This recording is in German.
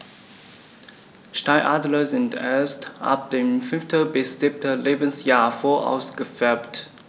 Steinadler sind erst ab dem 5. bis 7. Lebensjahr voll ausgefärbt.